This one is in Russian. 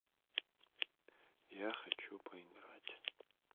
я хочу поиграть